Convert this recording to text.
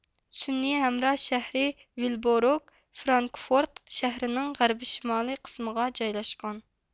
سۈنئىي ھەمراھ شەھىرى ۋىلبورىگ فرانكىفورد شەھىرىنىڭ غەربى شىمال قىسمىغا جايلاشقان